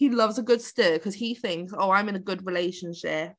He loves a good stir because he thinks "Oh I'm in a good relationship."